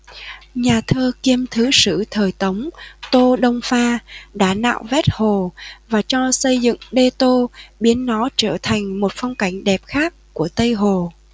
nhà thơ kiêm thứ sử thời tống tô đông pha đã nạo vét hồ và cho xây dựng đê tô biến nó trở thành một phong cảnh đẹp khác của tây hồ